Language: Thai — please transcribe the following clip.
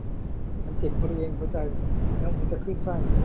ฉันเจ็บบริเวณหัวใจแล้วเหมือนจะคลื่นไส้